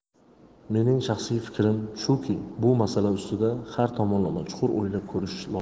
mening shaxsiy fikrim shuki bu masala ustida har tomonlama chuqur o'ylab ko'rish lozim